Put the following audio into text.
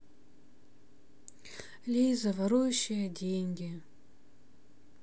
лиза ворующая деньги